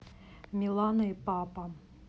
милана и папа